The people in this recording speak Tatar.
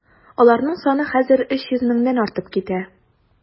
Аларның саны хәзер 300 меңнән артып китә.